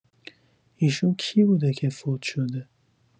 ایشون کی بوده که فوت‌شده؟